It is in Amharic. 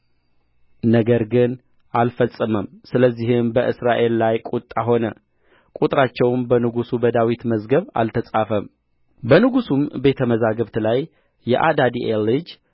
ነገር ግን አልፈጸመም ስለዚህም በእስራኤል ላይ ቍጣ ሆነ ቍጥራቸውም በንጉሡ በዳዊት መዝገብ አልተጻፈም በንጉሡም ቤተ መዛግብት ላይ የዓዲኤል ልጅ